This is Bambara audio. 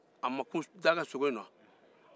a ma kun sogo in na